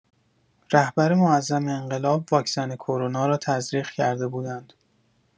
رهبر معظم انقلاب واکسن کرونا را تزریق کرده بودند.